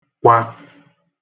-kwa